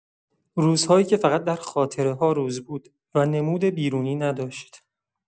روزهایی که فقط در خاطره‌ها روز بود و نمود بیرونی نداشت.